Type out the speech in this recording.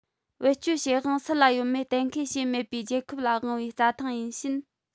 བེད སྤྱོད བྱེད དབང སུ ལ ཡོད མེད གཏན འཁེལ བྱས མེད པའི རྒྱལ ཁབ ལ དབང བའི རྩྭ ཐང ཡིན ཕྱིན